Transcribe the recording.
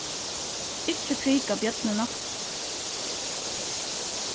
ikki prika bjørnina